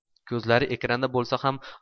ko'zlari ekranda bo'lsa ham